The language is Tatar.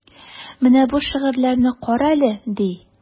Менә бу шигырьләрне карале, ди.